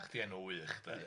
Chdi enw wych de.